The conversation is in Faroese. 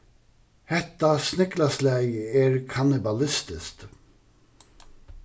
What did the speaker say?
hetta sniglaslagið er kannibalistiskt